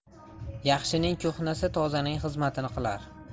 yaxshining ko'hnasi tozaning xizmatini qilar